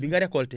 bi nga récolté